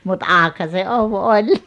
mutta aukihan se ovi oli